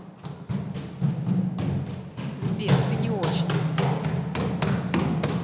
сбер ты не очень умный